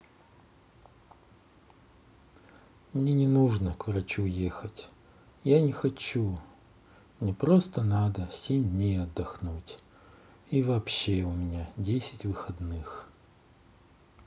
мне не нужно к врачу ехать я не хочу мне просто надо семь дней отдохнуть и вообще у меня десять выходных